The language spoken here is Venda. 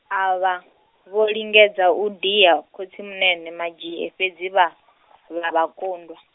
avha, vho lingedza u dia khotsimunene Madzhie fhedzi vha , vha kundwa.